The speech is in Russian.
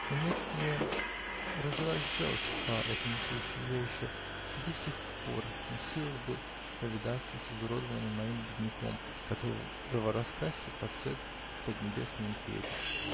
У меня чуть не разлилась желчь по этому случаю, и я еще до сих пор не в силах был повидаться с изуродованным моим бедняком, которого раскрасили под цвет поднебесной империи.